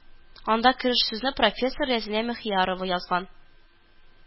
Анда кереш сүзне профессор Рәзинә Мөхиярова язган